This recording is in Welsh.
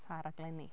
Pa raglenni?